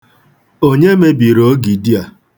Onye mebiri ogidi a?